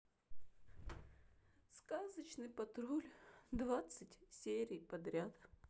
сказочный патруль двадцать серий подряд